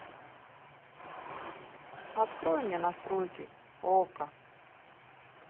открой мне настройки окко